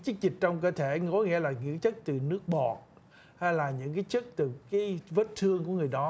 chất dịch trong cơ thể có nghĩa là những chất từ nước bọt hay là những cái chất từ cái vết thương của người đó